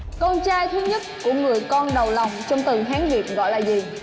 con trai thứ nhất của người con đầu lòng trong từ hán việt gọi là gì